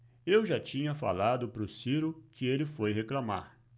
eu já tinha falado pro ciro que ele foi reclamar